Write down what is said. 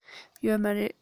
ཡོད མ རེད